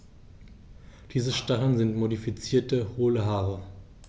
Diese Stacheln sind modifizierte, hohle Haare.